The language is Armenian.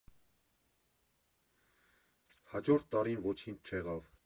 Հաջորդ տարին ոչինչ չեղավ։